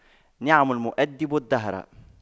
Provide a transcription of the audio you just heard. نعم المؤَدِّبُ الدهر